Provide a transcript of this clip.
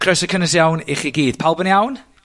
Croeso cynnes iawn i chi gyd. Pawb yn iawn?